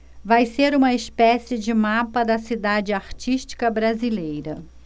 vai ser uma espécie de mapa da cidade artística brasileira